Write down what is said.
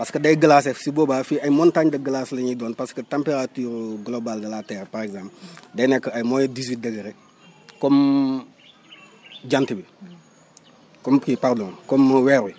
parce que day glacé su boobaa fii ay montagnes de glaces la ñuy doon parce que température globale de la terre par exemple day nekk ay moins dix huit dégré comme jant bi comme kii pardon comme weer wi